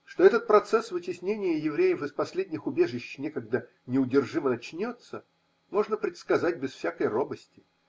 Что этот процесс вытеснения евреев из последних убежищ некогда неудержимо начнется, можно предсказать без всякой робости.